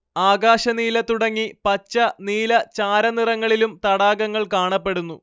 ആകാശനീല തുടങ്ങി പച്ച നീല ചാരനിറങ്ങളിലും തടാകങ്ങൾ കാണപ്പെടുന്നു